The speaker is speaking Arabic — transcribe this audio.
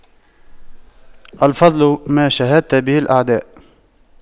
الفضل ما شهدت به الأعداء